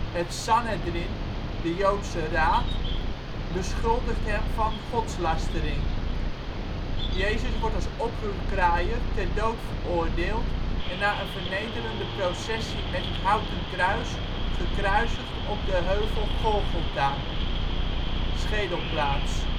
het Sanhedrin (Joodse Raad). De Romeins prefect Pontius Pilatus beschuldigd hem van Godslastering. Jezus wordt als " oproerkraaier " ter dood veroordeeld en na een vernederende processie met het houten kruis, gekruisigd op de heuvel Golgotha (" Schedelplaats